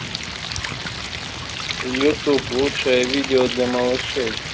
ютуб лучшее видео для малышей